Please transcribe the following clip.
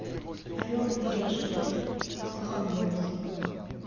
орел и решка ханой